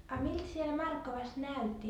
a miltä siellä Markkovassa näytti